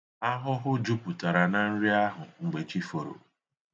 Ahụhụ jupụtara na nri ahụ mgbe chi foro.